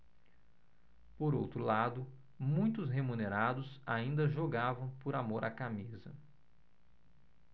por outro lado muitos remunerados ainda jogavam por amor à camisa